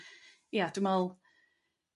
Ia dwi me'wl